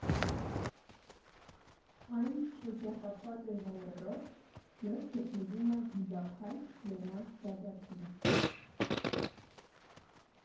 Այն շրջապատված է ժայռերով և գտնվում է Դիզափայտ լեռան գագաթին։